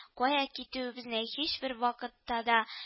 Кая китүебезне һичбер вакытта да